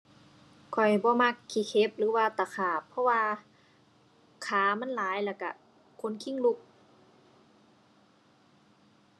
ข้อยบ่มักขี้เข็บหรือว่าตะขาบ เพราะว่าขามันหลายแล้วก็ขนคิงลุก